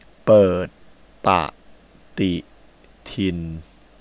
เปิดปฎิทิน